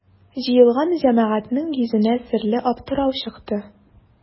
Җыелган җәмәгатьнең йөзенә серле аптырау чыкты.